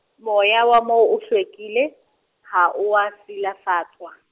moya wa moo o hlwekile, ha o wa silafatswa.